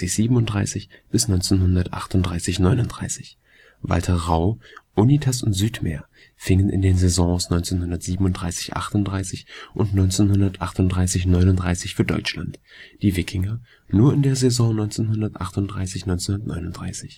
37 bis 1938 – 39); Walter Rau, Unitas und Südmeer fingen in den Saisons 1937 – 38 und 1938 – 39 für Deutschland; die Wikinger nur in der Saison 1938 – 39.